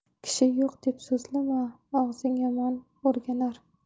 kishi yo'q deb so'zlama og'zing yomon o'rganar